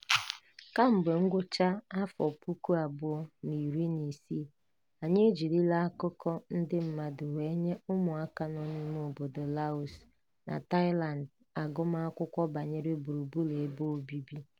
Kemgbe ngwụcha afọ 2016, anyị ejirila akụkọ ndị mmadụ wee nye ụmụaka nọ n'ime obodo Laos na Thailand agụmakwụkwọ banyere gburuburu ebe obibi.